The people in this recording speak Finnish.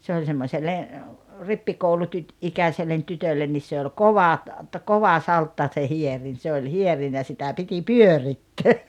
se oli semmoiselle - rippikoulutyttöikäiselle tytölle niin se oli kova - kova saltta se hierin se oli hierin ja sitä piti pyörittää